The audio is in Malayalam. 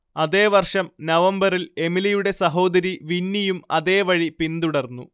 അതേ വർഷം നവംബറിൽ എമിലിയുടെ സഹോദരി വിന്നിയും അതേവഴി പിന്തുടർന്നു